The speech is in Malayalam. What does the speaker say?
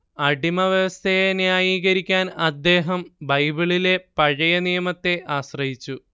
അടിമവ്യവസ്ഥയെ ന്യായീകരിക്കാൻ അദ്ദേഹം ബൈബിളിലെ പഴയനിയമത്തെ ആശ്രയിച്ചു